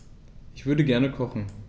Ich würde gerne kochen.